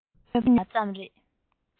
རང སྡུག ཉོས པ ཙམ རེད